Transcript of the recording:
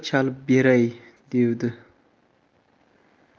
chalib beray devdi